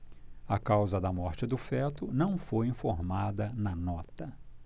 a causa da morte do feto não foi informada na nota